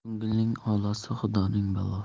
ko'ngilning olasi xudoning balosi